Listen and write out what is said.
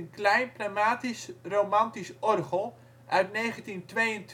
klein pneumatisch romantisch orgel uit 1922